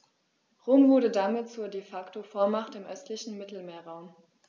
Rom wurde damit zur ‚De-Facto-Vormacht‘ im östlichen Mittelmeerraum.